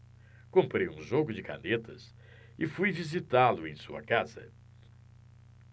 comprei um jogo de canetas e fui visitá-lo em sua casa